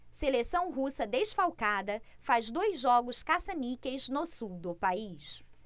seleção russa desfalcada faz dois jogos caça-níqueis no sul do país